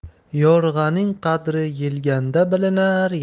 yo'rg'aning qadri yelganda bilinar